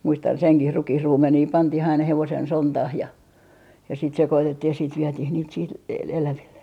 muistan senkin rukiinruumenia pantiin aina hevosen sontaan ja ja sitä sekoitettiin ja siitä vietiin niitä siitä - eläville